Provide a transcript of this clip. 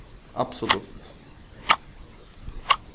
absolutt